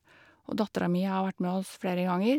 Og dattera mi har vært med oss flere ganger.